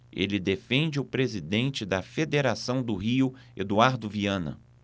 ele defende o presidente da federação do rio eduardo viana